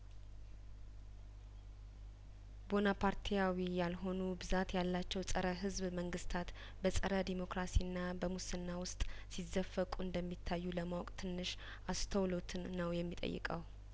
ቦና ፓርቲያዊ ያልሆኑ ብዛት ያላቸው ጸረ ህዝብ መንግስታት በጸረ ዴሞከራሲና በሙስና ውስጥ ሲዘፈቁ እንደሚታዩ ለማወቅ ትንሽ አስተውሎትን ነው የሚጠይቀው